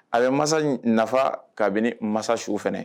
A bɛ masa nafa kabini mansa su fana